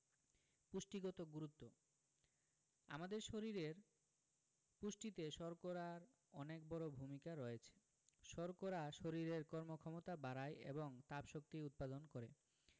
পুষ্টিগত গুরুত্ব আমাদের শরীরের পুষ্টিতে শর্করার অনেক বড় ভূমিকা রয়েছে শর্করা শরীরের কর্মক্ষমতা বাড়ায় এবং তাপশক্তি উৎপাদন করে